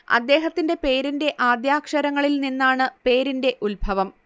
അദ്ദേഹത്തിന്റെ പേരിന്റെ ആദ്യാക്ഷരങ്ങളിൽ നിന്നാണ് പേരിന്റെ ഉത്ഭവം